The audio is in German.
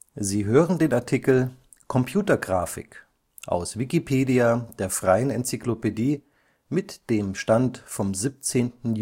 Sie hören den Artikel Computergrafik, aus Wikipedia, der freien Enzyklopädie. Mit dem Stand vom Der